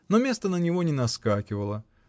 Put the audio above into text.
но место на него не наскакивало